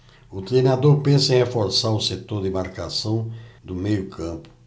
o treinador pensa em reforçar o setor de marcação do meio campo